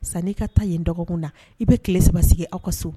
San n'i ka ta yen dɔgɔkun na i bɛ tile saba sigi aw ka sun